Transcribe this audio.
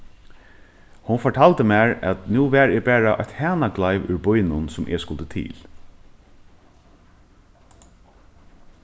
hon fortaldi mær at nú var eg bara eitt hanagleiv úr býnum sum eg skuldi til